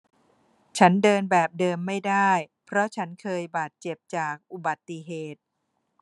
ฉันเดินแบบเดิมไม่ได้เพราะฉันเคยบาดเจ็บจากอุบัติเหตุ